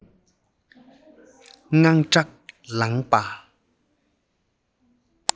དངངས སྐྲག ལངས པ